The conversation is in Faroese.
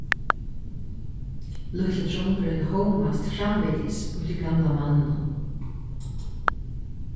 lítli drongurin hómast framvegis í tí gamla manninum